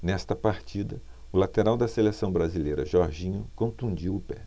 nesta partida o lateral da seleção brasileira jorginho contundiu o pé